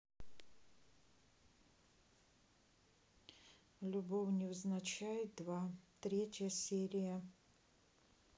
любовь невзначай два третья серия